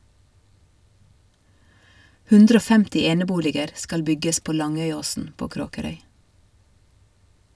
150 eneboliger skal bygges på Langøyåsen på Kråkerøy.